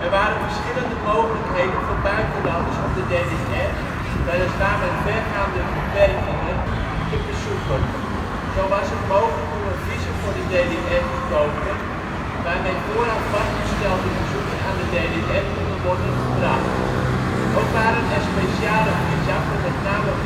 waren verschillende mogelijkheden voor buitenlanders om de DDR, weliswaar met vergaande beperkingen, te bezoeken. Zo was het mogelijk om een visum voor de DDR te kopen, waarmee vooraf vastgestelde bezoeken aan de DDR konden worden gebracht. Ook waren er speciale visa voor met name